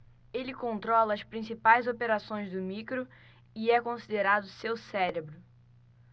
ele controla as principais operações do micro e é considerado seu cérebro